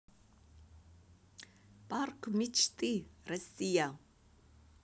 парк мечты россия